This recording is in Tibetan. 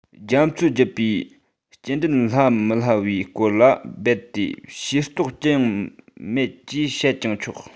རྒྱ མཚོ བརྒྱུད པའི སྐྱེལ འདྲེན སླ མི སླ བའི སྐོར ལ རྦད དེ ཤེས རྟོགས ཅི ཡང མེད ཅེས བཤད ཀྱང ཆོག